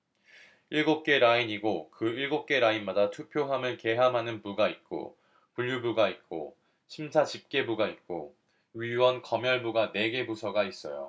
일곱 개 라인이고 그 일곱 개 라인마다 투표함을 개함하는 부가 있고 분류부가 있고 심사집계부가 있고 위원검열부가 네 개 부서가 있어요